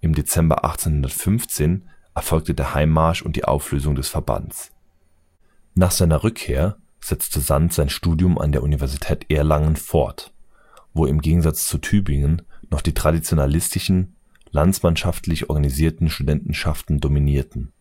Dezember 1815 erfolgte der Heimmarsch und die Auflösung des Verbands. Nach seiner Rückkehr setzte Sand sein Studium an der Universität Erlangen fort, wo im Gegensatz zu Tübingen noch die traditionalistischen, landsmannschaftlich organisierten Studentenschaften dominierten